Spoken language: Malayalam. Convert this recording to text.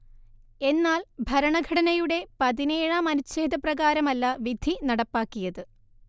എന്നാൽ ഭരണഘടനയുടെ പതിനേഴാം അനുഛേദപ്രകാരമല്ല വിധി നടപ്പാക്കിയത്